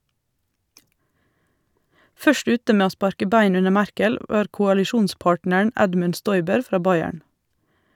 Først ute med å sparke bein under Merkel var koalisjonspartneren Edmund Stoiber fra Bayern.